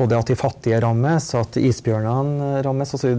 både at de fattige rammes og at isbjørnene rammes og så.